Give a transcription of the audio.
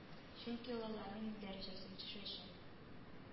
Чөнки ул аларның дәрәҗәсен төшерәчәк